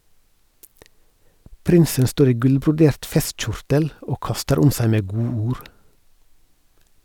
Prinsen står i gullbrodert festkjortel og kaster om seg med godord.